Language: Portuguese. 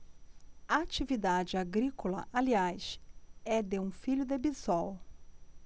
a atividade agrícola aliás é de um filho de bisol